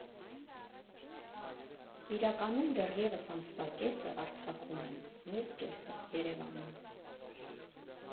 Իրականում դեռևս ամսվա կեսը Արցախում եմ, մյուս կեսը՝ Երևանում։